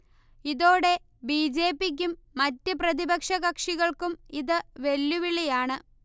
ഇതോടെ ബി. ജെ. പി. ക്കും മറ്റ് പ്രതിപക്ഷ കക്ഷികൾക്കും ഇത് വെല്ലുവിളിയാണ്